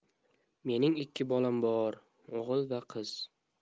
mening ikki bolam bor 'g'il va qiz